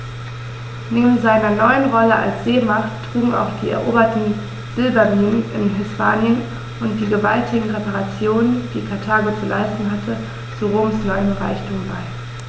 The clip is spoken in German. Neben seiner neuen Rolle als Seemacht trugen auch die eroberten Silberminen in Hispanien und die gewaltigen Reparationen, die Karthago zu leisten hatte, zu Roms neuem Reichtum bei.